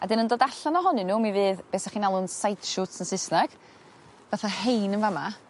a 'dyn yn dod allan ohonyn n'w mi fydd be' 'sych chi'n alw'n sideshoots Sysneg fatha rhein yn fa' 'ma